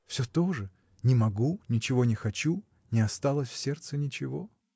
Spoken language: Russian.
Всё то же: “Не могу, ничего не хочу, не осталось в сердце ничего.